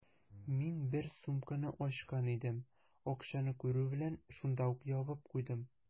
Мин бер сумканы ачкан идем, акчаны күрү белән, шунда ук ябып куйдым.